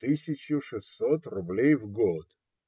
тысячу шестьсот рублей в год.